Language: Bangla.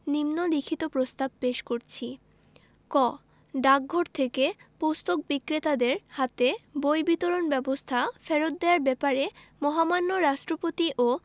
নিন্ম লিখিত প্রস্তাব পেশ করছি ক ডাকঘর থেকে পুস্তক বিক্রেতাদের হাতে বই বিতরণ ব্যবস্থা ফেরত দেওয়ার ব্যাপারে মহামান্য রাষ্ট্রপতি ও